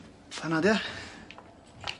Panad ia?